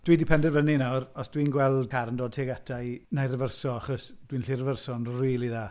Dwi 'di penderfynu nawr, os dwi'n gweld car yn dod tuag ata i, wna i rifyrso, achos dwi'n gallu'r rifyrso'n rili dda.